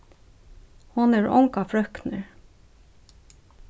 hon hevur ongar frøknur